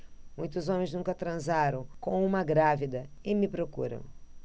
muitos homens nunca transaram com uma grávida e me procuram